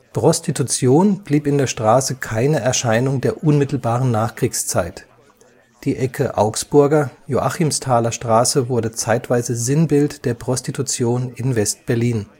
Prostitution blieb in der Straße keine Erscheinung der unmittelbaren Nachkriegszeit, die Ecke Augsburger/Joachimstaler Straße wurde zeitweise Sinnbild der Prostitution in West-Berlin